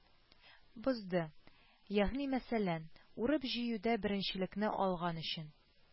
Бозды: ягъни мәсәлән, урып-җыюда беренчелекне алган өчен